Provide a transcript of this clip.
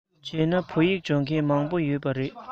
བྱས ན བོད ཡིག སྦྱོང མཁན མང པོ ཡོད པ རེད